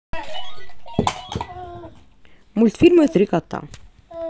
мультфильмы три кота